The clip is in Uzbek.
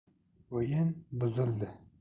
o'yin buzildi